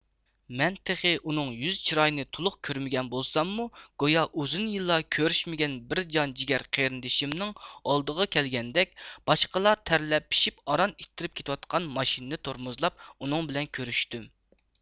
مەن تېخى ئۇنىڭ يۈز چىرايىنى تولۇق كۆرمىگەن بولساممۇ گويا ئۇزۇن يىللار كۆرۈشمىگەن بىر جان جېگەر قېرىندىشىمنىڭ ئالدىغا كەلگەندەك باشقىلار تەرلەپ پىشىپ ئاران ئىتتىرىپ كېتىۋاتقان ماشىنىنى تورمۇزلاپ ئۇنىڭ بىلەن كۆرۈشتۈم